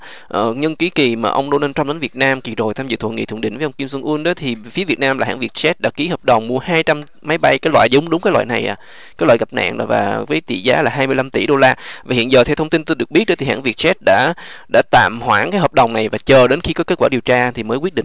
nhân cái kì mà ông đô na trăm đến việt nam chỉ rồi tham dự hội nghị thượng đỉnh với ông kim giông un đã thì phía việt nam là hãng việt giét đã ký hợp đồng mua hai trăm máy bay các loại giống đúng cái loại này à cái loại gặp nạn và ví tỷ giá là hai mươi lăm tỷ đô la và hiện giờ theo thông tin tôi được biết đến thì hãng việt giét đã đã tạm hoãn cái hợp đồng này và chờ đến khi có kết quả điều tra thì mới quyết định